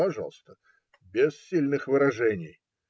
Пожалуйста, без сильных выражений.